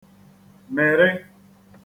mị̀rị